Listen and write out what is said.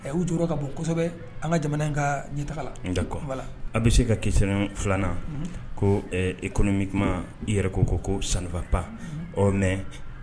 U jɔyɔrɔ ka bon kosɛbɛ an ka jamana ka ɲɛ taga la an bɛ se ka kisɛ filanan ko kɔnɔmi kuma i yɛrɛ ko ko ko sanfa pa ɔ mɛ